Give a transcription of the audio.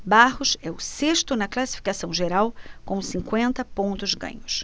barros é o sexto na classificação geral com cinquenta pontos ganhos